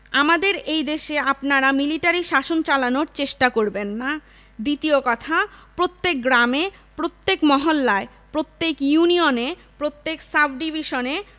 আমরা এই দেশে আপনারা মিলিটারি শাসন চালানোর চেষ্টা করবেন না দ্বিতীয় কথা প্রত্যেক গ্রামে প্রত্যেক মহল্লায় প্রত্যেক ইউনিয়নে প্রত্যেক সাবডিভিশনে